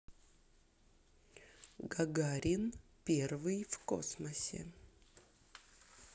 гагарин первый в космосе